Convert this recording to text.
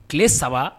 Tile saba